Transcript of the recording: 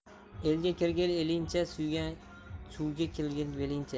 elga kirgil elingcha suvga khgil belingcha